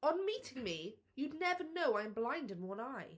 On meeting me you'd never know I'm blind in one eye.